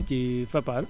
ci Fapal